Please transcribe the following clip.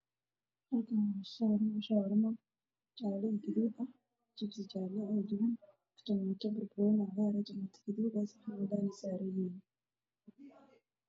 Meeshaan ayaa loo saxan cadaan ah ku dhex jiro jabhaddii badho jaalle ah